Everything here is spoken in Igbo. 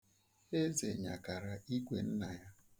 Eze nyakara igwe nna ya.